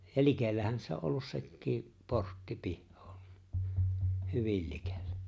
ja likellähän se on ollut sekin portti pihaa hyvin likellä